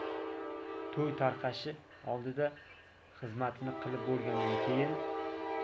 to'y tarqashi oldidan xizmatini qilib bo'lgandan keyin